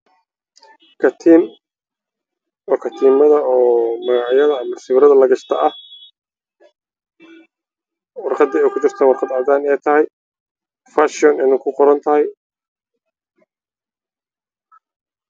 Katiin sawirada la gashto